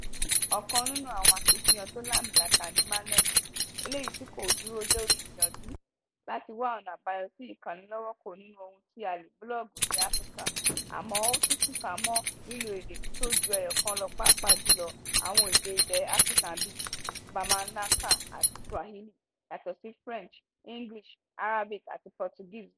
Ọ̀kan nínú àwọn akitiyan tó làmìlaka ní Maneno, eléyìí tí kò dúró lóri ìyànjú láti wa ọ̀nà àbáyọ sí ìkánilọ́wọ́kò nínú ohun tí a lè búlọ̀ọ̀gù ní Áfíríkà, àmọ́ ó tún fúnka mọ́ lílo èdè tó ju ẹyọ̀kan lọ pàápàá jùlọ àwọn èdè ilẹ̀ Áfíríkà bíi Bamanankan àti Swahili, yàtọ̀ sí French, English, Arabic àti Portuguese.